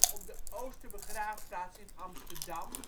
op de Oosterbegraafplaats in Amsterdam